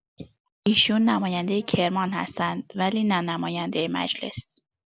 ایشون نماینده کرمان هستند ولی نه نماینده مجلس!